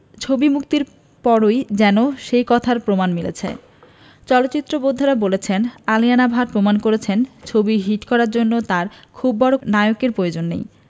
ছবি মুক্তির পরই যেন সেই কথার প্রমাণ মিলছে চলচ্চিত্র বোদ্ধারা বলছেন আলিয়া ভাট প্রমাণ করেছেন ছবি হিট করার জন্য তার খুব বড় কোনো নায়কের প্রয়োজন নেই